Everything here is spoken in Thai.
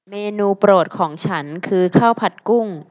เมนูโปรดของฉันคือข้าวผัดกุ้ง